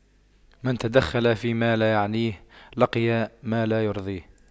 من تَدَخَّلَ فيما لا يعنيه لقي ما لا يرضيه